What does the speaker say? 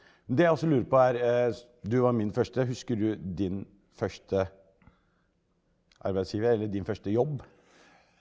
men det jeg også lurer på er du var min første husker du din første arbeidsgiver eller din første jobb?